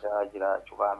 Jaa jinɛ cogoya